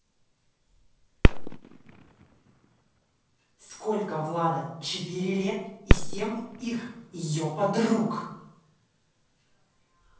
сколько влада четыре лет и всем их ее подруг